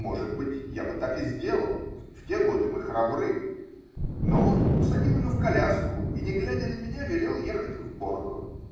может быть, я бы так и сделал -- в те годы мы храбры, -- но он усадил ее в коляску и, не глядя на меня, велел ехать в Борго.